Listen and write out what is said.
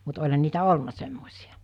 mutta olihan niitä ollut semmoisia